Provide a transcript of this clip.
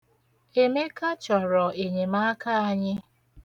Emeka chọrọ enyemaaka anyị.